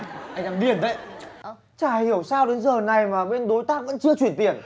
anh đang điên đấy chả hiểu sao đến giờ này mà bên đối tác vẫn chưa chuyển tiền